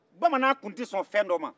bamanan tun tɛ sɔn fɛn dɔ ma